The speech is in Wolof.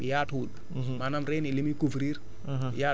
ba pare assiète racinaire bi yaatuwul